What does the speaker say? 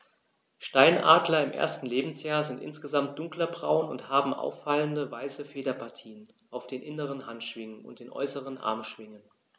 Steinadler im ersten Lebensjahr sind insgesamt dunkler braun und haben auffallende, weiße Federpartien auf den inneren Handschwingen und den äußeren Armschwingen.